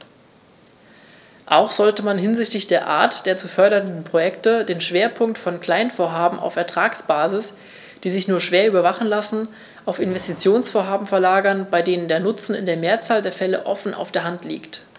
Auch sollte man hinsichtlich der Art der zu fördernden Projekte den Schwerpunkt von Kleinvorhaben auf Ertragsbasis, die sich nur schwer überwachen lassen, auf Investitionsvorhaben verlagern, bei denen der Nutzen in der Mehrzahl der Fälle offen auf der Hand liegt.